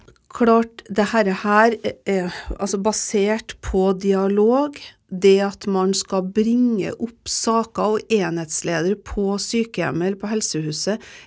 klart det herre her altså basert på dialog det at man skal bringe opp saka og enhetsledere på sykehjemmet eller på helsehuset.